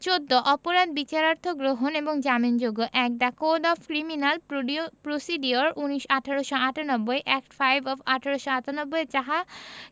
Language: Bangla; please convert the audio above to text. ১৪ অপরাধ বিচারার্থ গ্রহণ এবং জামিনযোগ্যঃ ১ the code of criminal procedure ১৮৯৮ act five of ১৮৯৮ এ যাহা